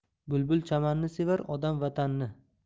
bulbul chamanni sevar odam vatanni